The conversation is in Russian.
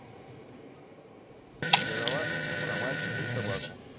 ералаш про мальчика и собаку